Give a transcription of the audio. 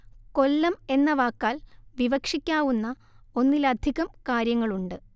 കൊല്ലം എന്ന വാക്കാൽ വിവക്ഷിക്കാവുന്ന ഒന്നിലധികം കാര്യങ്ങളുണ്ട്